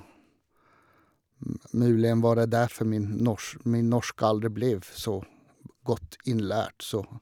Möjligen var det derfor min nors min norsk aldri ble så godt innlært, så...